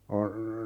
on